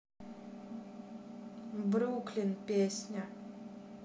brooklyn песня